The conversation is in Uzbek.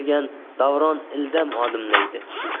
kelgan davron ildam odimlaydi